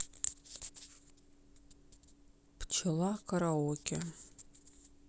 пчела караоке